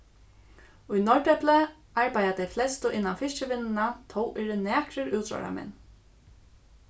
í norðdepli arbeiða tey flestu innan fiskivinnuna tó eru nakrir útróðrarmenn